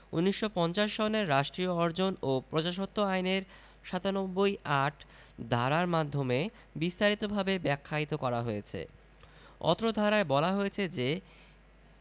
১৯৫০ সনের রাষ্ট্রীয় অর্জন ও প্রজাস্বত্ব আইনের ৯৭ ৮ ধারার মাধ্যমে বিস্তারিতভাবে ব্যাখ্যায়িত করা হয়েছে অত্র ধারায় বলা হয়েছে যে